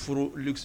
Furu luxe